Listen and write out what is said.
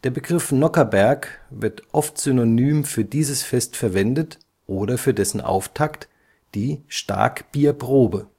Begriff Nockherberg wird oft synonym für dieses Fest verwendet oder für dessen Auftakt, die Starkbierprobe